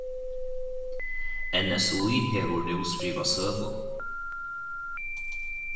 nsí hevur nú skrivað søgu